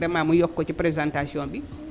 vraiment mu yokk ko ci présentation bi